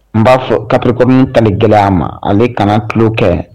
N b'a fɔ gɛlɛya a ma ale kana tulon kɛ